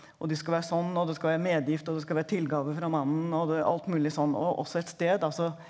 og det skal være sånn og det skal være medgift og det skal være tilgave fra mannen og alt mulig sånn og også et sted altså.